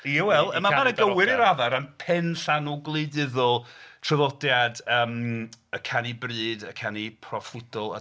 Ie, wel mae'n gywir i raddau o ran pen llanw gwleidyddol traddodiad yym y canu bryd, y canu proffwydol...